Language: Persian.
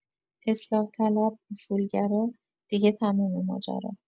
اصلاح‌طلب، اصولگرا، دیگه تمومه ماجرا!